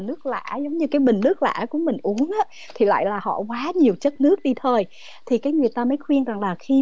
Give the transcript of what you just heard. lã giống như cái bình nước lã của mình uống thì lại là họ quá nhiều chất nước đi thời thì cách người ta mới khuyên rằng là khi